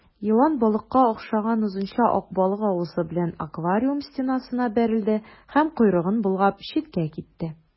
Елан балыкка охшаган озынча ак балык авызы белән аквариум стенасына бәрелде һәм, койрыгын болгап, читкә китте.